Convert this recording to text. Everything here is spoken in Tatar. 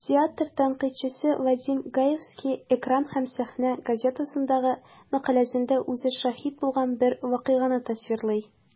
Театр тәнкыйтьчесе Вадим Гаевский "Экран һәм сәхнә" газетасындагы мәкаләсендә үзе шаһит булган бер вакыйганы тасвирлый.